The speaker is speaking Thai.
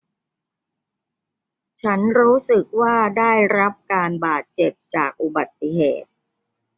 ฉันรู้สึกว่าได้รับการบาดเจ็บจากอุบัติเหตุ